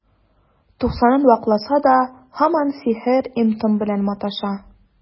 Туксанын вакласа да, һаман сихер, им-том белән маташа.